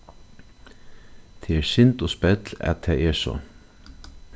tað er synd og spell at tað er so